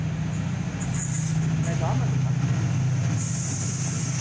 mær dámar teg faktiskt ikki